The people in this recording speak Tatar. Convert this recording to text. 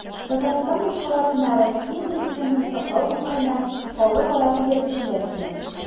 Татарстан башкаласына Россия президентын сайлау уңаеннан халыкара күзәтүчеләр килә.